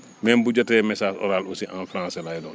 même bu jotee message oral aussi en français lay doon